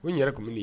Ko yɛrɛ tun di